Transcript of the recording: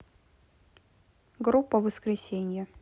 группа воскресенье